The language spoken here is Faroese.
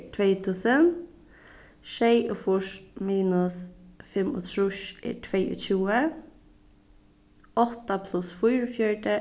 tvey túsund sjeyogfýrs minus fimmogtrýss er tveyogtjúgu átta pluss fýraogfjøruti